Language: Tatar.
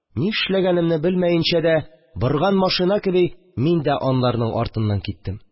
Нишләгәнемне белмәенчә дә, борган машина кеби, мин дә аларның артыннан киттем.